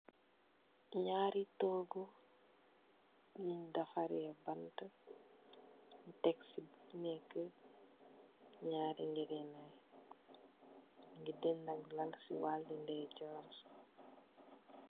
Nyarri toogu , yun deferred bantt , teksi bu nekk nyaari ngege naye , mungi dendeh lal si wal ndayejorr.